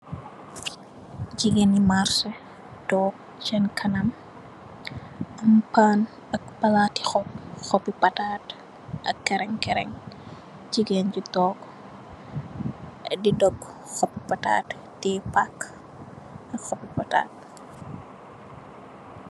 Jigeeni marse toog sen kanam, am paan, ak palaati xob, xobi pataat, ak kerenkeren, jigeen ju toog, di dogg xob pataaat, tiye paaka, ak xobi pataat.